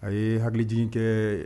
A ye hakili jigin kɛ